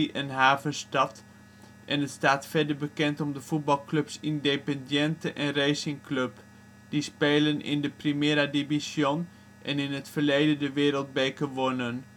en havenstad en het staat verder bekend om de voetbalclubs Independiente en Racing Club, die spelen in de Primera División en in het verleden de wereldbeker wonnen